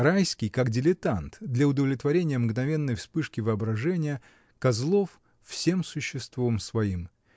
Райский как дилетант — для удовлетворения мгновенной вспышки воображения, Козлов — всем существом своим